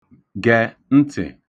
gẹ̀ ntị̀